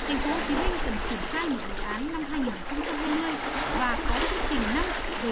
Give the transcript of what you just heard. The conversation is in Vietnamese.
thành phố chí minh cần triển khai một đề án năm hai nghìn không trăm hai mươi và có chương trình năm về